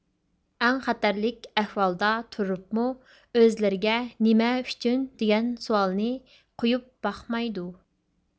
ئەڭ خەتەرلىك ئەھۋالدا تۇرۇپمۇ ئۆزلىرىگە نېمە ئۈچۈن دېگەن سوئالنى قويۇپ باقمايدۇ